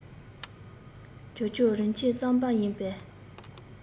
ཇོ ཇོ རིན ཆེན རྩམ པ ཡིན པས